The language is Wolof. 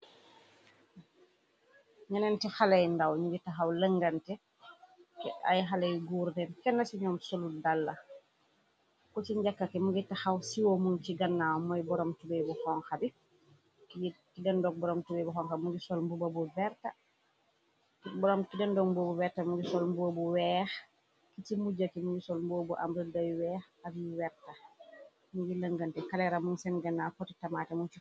Neneenti xaleyu ndaw ñu gi taxaw lëngante ay xaley gouurden kenna ci ñoom solu dàlla ko ci njàkkaki mungi taxaw siiwo mun ci ganna moki dendoog boroom tuwée bu xonke muni olbki dendon mboobu verta mungi sol mboobu weex ki ci mujjaki munji sol mboobu amrë day weex ak yu werta mungi lëngante kalera muñ seen gannaa koti tamaaté muo.